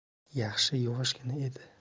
yaxshi yuvoshgina edi